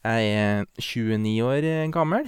Jeg er tjueni år gammel.